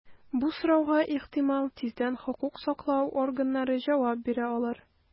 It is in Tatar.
Бу сорауга, ихтимал, тиздән хокук саклау органнары җавап таба алыр.